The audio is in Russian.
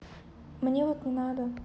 мне вот не надо